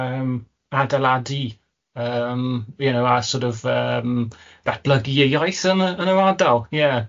yym adeiladu yym, you know, a sor' of yym datblygu ei iaith yma yn yr ardal. Ie.